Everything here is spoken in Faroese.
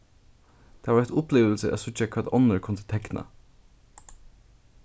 tað var eitt upplivilsi at síggja hvat onnur kundu tekna